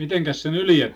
mitenkäs se nyljetään